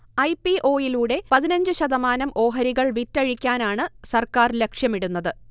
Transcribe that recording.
I. P. O. യിലൂടെ പതിനഞ്ച് ശതമാനം ഓഹരികൾ വിറ്റഴിക്കാനാണ് സർക്കാർ ലക്ഷ്യമിടുന്നത്